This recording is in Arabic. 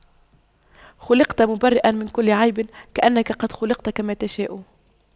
خلقت مُبَرَّأً من كل عيب كأنك قد خُلقْتَ كما تشاء